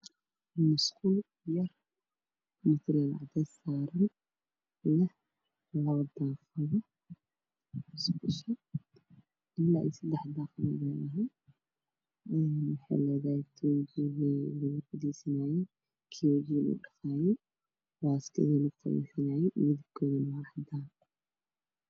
Waa musqul yar oo mutuleel cadeys ah saaran oo leh seddex daaqadood, tuujiga lugu fariisto iyo kan wajiga lugu dhaqdo waana cadaan.